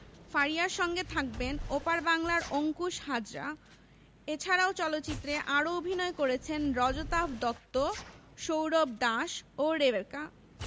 ফারিয়ার সঙ্গে থাকবেন ওপার বাংলার অংকুশ হাজরা এছাড়াও চলচ্চিত্রে আরও অভিনয় করেছেন রজতাভ দত্ত সৌরভ দাস ও রেবেকা